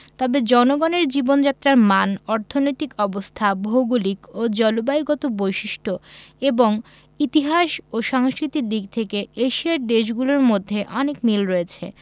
তবে জনগণের জীবনযাত্রার মান অর্থনৈতিক অবস্থা ভৌগলিক ও জলবায়ুগত বৈশিষ্ট্য এবং ইতিহাস ও সংস্কৃতির দিক থেকে এশিয়ার দেশগুলোর মধ্যে অনেক মিল রয়েছে